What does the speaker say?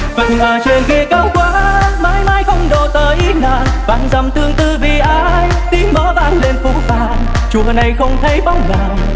phật ở trên kia cao quá mãi mãi không độ tới nàng vạn dặm tương tư vì ai tiếng mõ vang lên phũ phàng chùa này không thấy bóng nàng